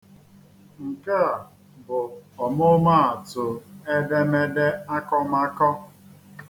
Nke a bụ ọmụmaatụ edemede akọmakọ.